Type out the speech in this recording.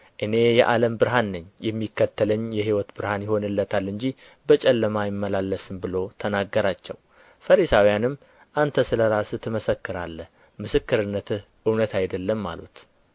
እኔ የዓለም ብርሃን ነኝ የሚከተለኝ የሕይወት ብርሃን ይሆንለታል እንጂ በጨለማ አይመላለስም ብሎ ተናገራቸው ፈሪሳውያንም አንተ ስለ ራስህ ትመሰክራለህ ምስክርነትህ እውነት አይደለም አሉት